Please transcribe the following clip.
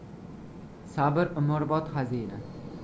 sabr umrbod xazina